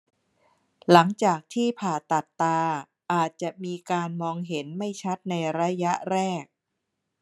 หลังจากที่ผ่าตัดตาอาจจะมีการมองเห็นไม่ชัดในระยะแรก